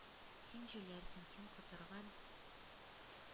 — син җүләрсең, син котырган,